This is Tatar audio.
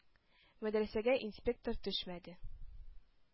Мәдрәсәгә инспектор төшмәде.